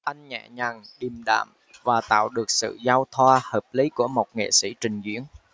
anh nhẹ nhàng điềm đạm và tạo được sự giao thoa hợp lí của một nghệ sĩ trình diễn